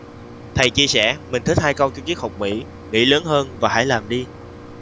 thầy chia sẻ mình thích hai câu trong triết học mỹ nghĩ lớn hơn và hãy làm đi